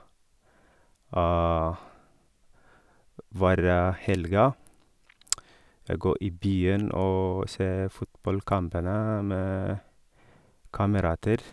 Hver helga, jeg gå i byen og se fotballkampene med kamerater.